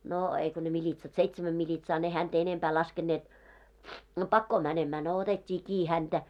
no eikä ne militsat seitsemän militsaa ne häntä enempää laskeneet no pakoon menemään no otettiin kiinni häntä